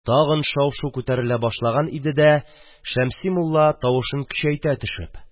Тагын шау-шу күтәрелә башлаган иде дә, Шәмси мулла, тавышын көчәйтә төшеп: